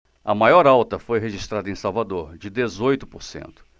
a maior alta foi registrada em salvador de dezoito por cento